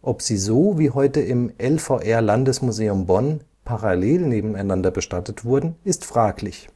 Ob sie so, wie heute im LVR-Landesmuseum Bonn, parallel nebeneinander bestattet wurden, ist fraglich